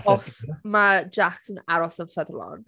Os ma' Jaques yn aros yn ffyddlon.